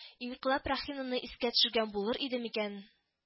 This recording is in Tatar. Инкыйлаб Рәхимовнаны искә төшергән булыр иде микән